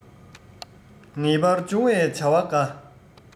ངེས པར འབྱུང བའི བྱ བ འགའ